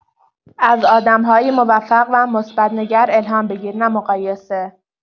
از آدم‌های موفق و مثبت‌نگر الهام بگیر نه مقایسه.